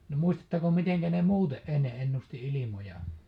no muistattako miten ne muuten ennen - ennusti ilmoja